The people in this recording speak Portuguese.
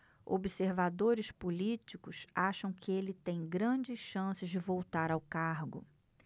observadores políticos acham que ele tem grandes chances de voltar ao cargo